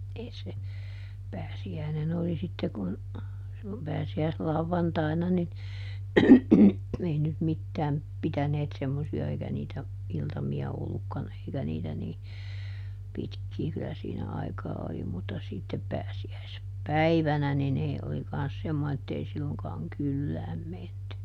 ei se pääsiäinen oli sitten kun silloin pääsiäislauantaina niin ei nyt mitään pitäneet semmoisia eikä niitä iltamia ollutkaan eikä niitä niin pitkin kyllä siinä aikaa oli mutta sitten - pääsiäispäivänä niin ei oli kanssa semmoinen että ei silloinkaan kylään menty